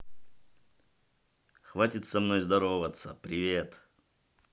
хватит со мной здороваться привет